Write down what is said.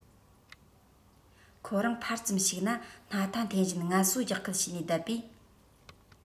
ཁོ རང ཕར ཙམ ཞིག ན སྣ ཐ འཐེན བཞིན ངལ གསོ རྒྱག ཁུལ བྱས ནས བསྡད པས